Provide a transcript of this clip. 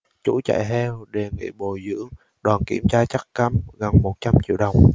chủ trại heo đề nghị bồi dưỡng đoàn kiểm tra chất cấm gần một trăm triệu đồng